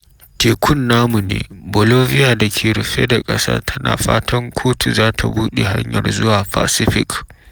‘Tekun namu ne’: Bolivia da ke rufe da ƙasa tana fatan kotu za ta buɗe hanyar zuwa Pacific